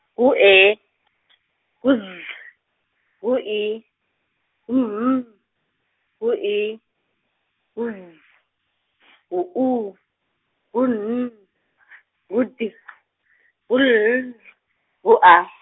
ngu E , ngu Z, ngu I, ngu M, ngu I, ngu Z , ngu U, ngu N , ngu T , ngu L , ngu A.